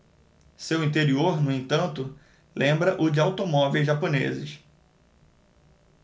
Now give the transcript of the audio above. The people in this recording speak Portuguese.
seu interior no entanto lembra o de automóveis japoneses